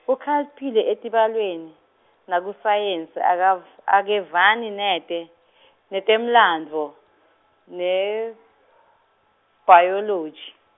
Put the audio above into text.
ukhaliphile etibalweni, nakusayensi, akav- akevani nete , netemlandvo, nebhayoloji.